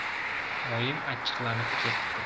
oyim achchiqlanib ketdi